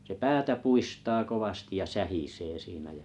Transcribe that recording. se päätä puistaa kovasti ja sähisee siinä ja